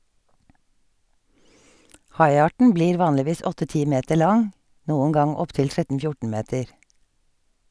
Haiarten blir vanligvis åtte-ti meter lang, noen gang opptil 13-14 meter.